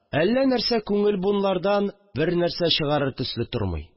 Әллә нәрсә күңел бунлардан бернәрсә чыгарыр төсле тормый